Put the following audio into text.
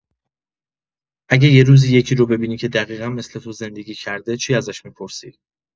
اگه یه روز یکی رو ببینی که دقیقا مثل تو زندگی کرده، چی ازش می‌پرسی؟